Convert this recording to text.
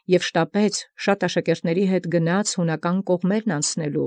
Եւ փութացեալ գնայր հանդերձ աշակերտաւք բազմաւք անցանել ի կողմանս Յունաց։